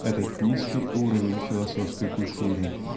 этот низкий уровень философской культуры